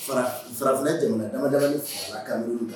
Fara fara fila tɛmɛna damada a kan la